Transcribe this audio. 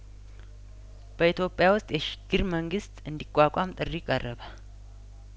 በኢትዮጵያ ውስጥ የሽግግር መንግስት እንዲቋቋም ጥሪ ቀረበ